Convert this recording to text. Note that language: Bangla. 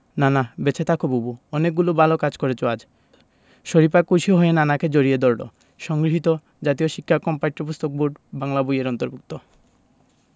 নানা বেঁচে থাকো বুবু অনেকগুলো ভালো কাজ করেছ আজ শরিফা খুশি হয়ে নানাকে জড়িয়ে ধরল সংগৃহীত জাতীয় শিক্ষাক্রম ও পাঠ্যপুস্তক বোর্ড বাংলা বই এর অন্তর্ভুক্ত